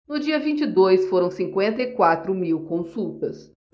no dia vinte e dois foram cinquenta e quatro mil consultas